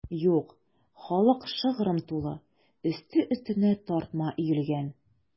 Юк, халык шыгрым тулы, өсте-өстенә тартма өелгән.